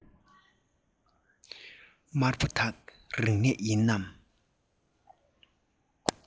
དམར པོ དག རིག གནས ཡིན ནམ